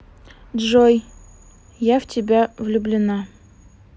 джой я в тебя влюблена